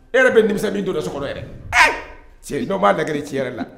E yɛrɛ bɛmi min don dɔ so yɛrɛ cɛrindɔn b'a lagre ci yɛrɛ la